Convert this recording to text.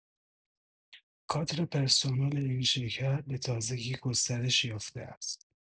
کادر پرسنل این شرکت به تازگی گسترش یافته است.